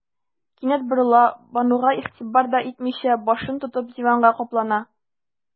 Кинәт борыла, Бануга игътибар да итмичә, башын тотып, диванга каплана.